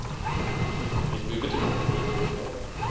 Ich will bitte Kartoffelsuppe kochen.